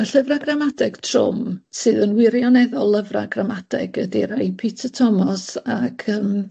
Y llyfra' gramadeg trwm sydd yn wirioneddol lyfra' gramadeg ydi rai Peter Thomas ac yym